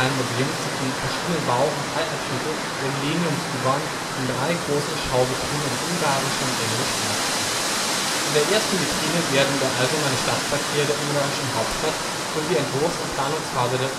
Museums sind die verschiedenen Bau - und Zeitabschnitte der Millenniums-U-Bahn in drei großen Schauvitrinen in Ungarisch und Englisch dargestellt. In der ersten Vitrine werden der allgemeine Stadtverkehr der ungarischen Hauptstadt sowie die Entwurfs - und Planungsphase